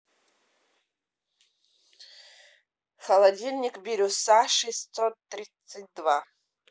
холодильник бирюса шестьсот тридцать два